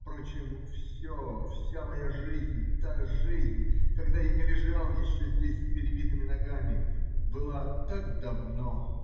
впрочем, все, вся моя жизнь, та жизнь, когда я не лежал еще здесь с перебитыми ногами, была так давно.